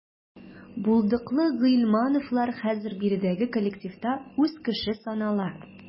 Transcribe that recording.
Булдыклы гыйльмановлар хәзер биредәге коллективта үз кеше санала.